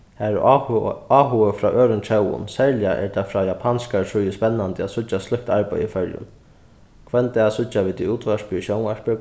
har er áhuga áhugi frá øðrum tjóðum serliga er tað frá japanskari síðu spennandi at síggja slíkt arbeiði í føroyum hvønn dag síggja vit í útvarpi og sjónvarpi